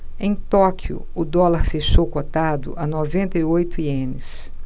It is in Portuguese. em tóquio o dólar fechou cotado a noventa e oito ienes